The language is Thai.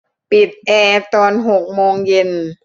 ปิดแอร์ตอนหกโมงเย็น